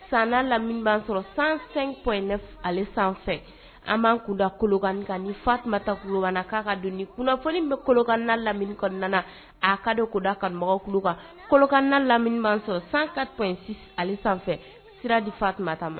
San lammi' sɔrɔ san sanfɛ an b' kunda kolokan fatumatabana k'a ka don kunnafoni bɛ kolonkanana lamini kɔnɔna kɔnɔna a ka deda kanumɔgɔ kan kolokan lamini sɔrɔ sanka sanfɛ sira di fatuma tan ma